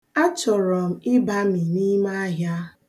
A chọrọ m ịbami n'ime ahịa.